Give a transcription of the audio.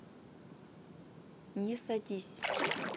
не садись